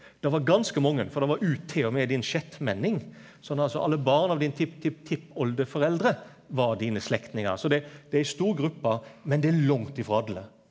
det var ganske mange for det var ut t.o.m. din seksmenning sånn altså alle barn av din tipptipptippolderforeldre var dine slektningar så det det er ei stor gruppe men det er langt ifrå alle.